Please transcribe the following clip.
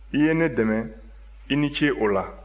i ye ne dɛmɛ i ni ce o la